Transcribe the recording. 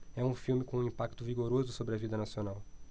é um filme com um impacto vigoroso sobre a vida nacional